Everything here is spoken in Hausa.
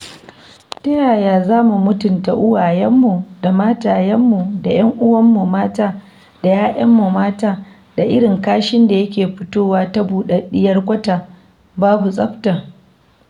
Ta yaya za mu mutunta uwayenmu da matayenmu da 'yan uwanmu mata da 'ya'yanmu mata da irin kashin da yake fitowa ta buɗaɗɗiyar kwata - babu tsafta?